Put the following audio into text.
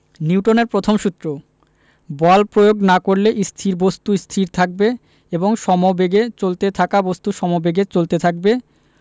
নিউটনের প্রথম সূত্র বল প্রয়োগ না করলে স্থির বস্তু স্থির থাকবে এবং সমেবেগে চলতে থাকা বস্তু সমেবেগে চলতে থাকবে